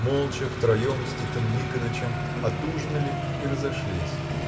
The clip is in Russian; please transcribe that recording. Молча, втроем, с Титом Никонычем, отужинали и разошлись.